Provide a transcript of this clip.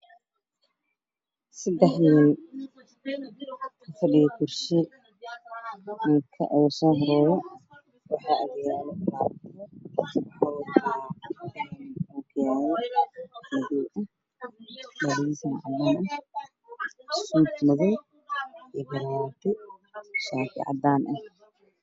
Waa saddex nin oo horyaalo miis miiska waxa u dulsaaran shaah iyo kafee iyo cunto